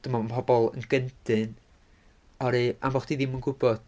Dwi'n meddwl mae pobl yn gyndyn oherwydd... am bod chdi ddim yn gwbod...